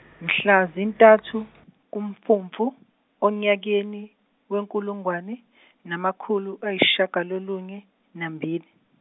mhla zintathu kuMfumfu onyakeniwenkulungwane namakhulu ayisishiyagalolunye, nambili.